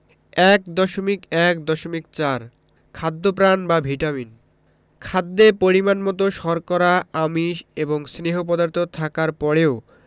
১.১.৪ খাদ্যপ্রাণ বা ভিটামিন খাদ্যে পরিমাণমতো শর্করা আমিষ এবং স্নেহ পদার্থ থাকার পরেও